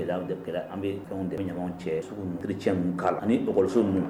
An bɛ de cɛ teri cɛ mun k' la ani ni bokɔso ninnu